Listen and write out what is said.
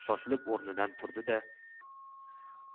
shoshib o'rnidan turdi da